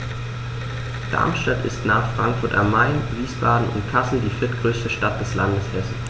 Darmstadt ist nach Frankfurt am Main, Wiesbaden und Kassel die viertgrößte Stadt des Landes Hessen